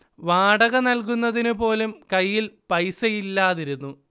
വാടക നൽകുന്നതിന് പോലും കൈയിൽ പൈസയില്ലാതിരുന്നു